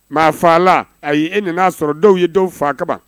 Maa faa la, ayi, e nan'a sɔrɔ dɔw ye dɔw fa ka ban.